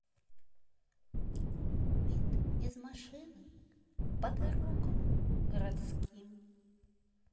вид из машины по дорогам городским